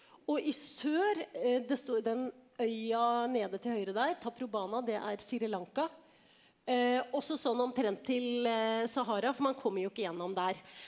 og i sør det den øya nede til høyre der Taprobana det er Sri Lanka også sånn omtrent til Sahara for man kommer jo ikke gjennom der.